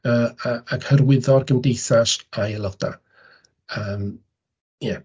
Yy, yy ac hyrwyddo'r Gymdeithas a'i haelodau. Yym, ie.